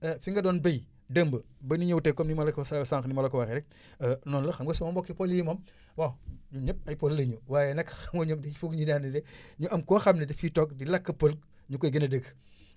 fi nga doon bay démb ba ñu ñëw tey comme ni ma la ko sa sànq ni ma la ko waxee rek noonu la xam nga sama mbokki pël yi moom bon ñun ñëpp ay pël la ñu waaye nag xam nga ñoom il faut que ñu daanelee ñu am koo xam ne dafiy toog di làkk pëp ñu koy gën a dégg